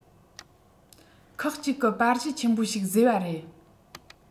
ཁག གཅིག གི པར གཞི ཆེན པོ ཞིག བཟོས པ རེད